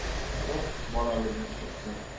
eh bolaligim qursin